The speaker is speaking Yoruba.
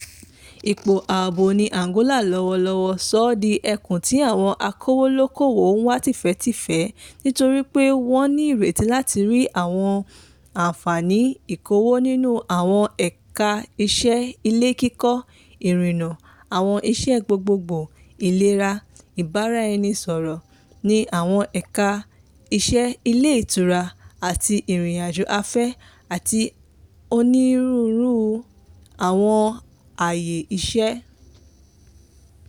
Ipò ààbò ní Angola lọ́wọ́lọ́wọ́ sọ ọ́ di ẹkùn tí àwọn akówólókòwò ń wá tìfẹ́tìfẹ́, nítorí pé wọ́n ní ìrètí láti rí àwọn àǹfààní ìkówó ní àwọn ẹ̀ka iṣẹ́ ilé kíkọ́, ìrìnnà, àwọn iṣẹ́ gbogboogbò, ilera, ìbánisọ̀rọ̀, ní àwọn ẹ̀ka iṣẹ́ ilé ìtura àti ìrìnàjò afẹ́ àti ní onírúurú àwọn àyè iṣẹ́".